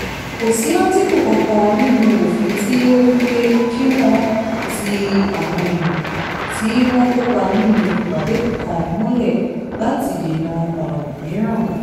Kò sí átíkù kankan nínú òfin tí ó wí pé kí wọ́n ti àwọn èèyàn tí wọ́n kópa nínú ìpàdé kan mọ́lé láti dènà ọ̀ràn mìíràn.